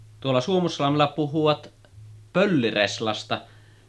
tuolla Suomussalmella puhuvat pöllireslasta